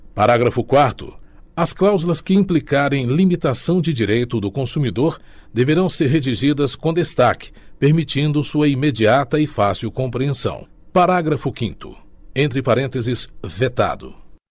parágrafo quarto as cláusulas que implicarem limitação de direito do consumidor deverão ser redigidas com destaque permitindo sua imediata e fácil compreensão parágrafo quinto entre parênteses vetado